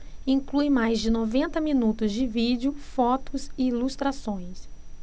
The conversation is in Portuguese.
inclui mais de noventa minutos de vídeo fotos e ilustrações